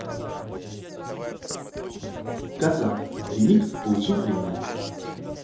kazakh ремикс получил премию